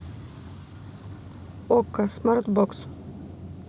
окко смартбокс